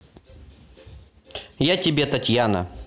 я тебя татьяна